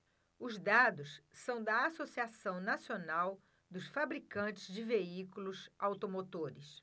os dados são da anfavea associação nacional dos fabricantes de veículos automotores